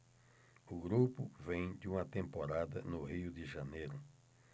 o grupo vem de uma temporada no rio de janeiro